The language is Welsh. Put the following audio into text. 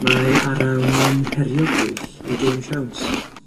Mae Arawn yn herio pwyll i gêm siawns.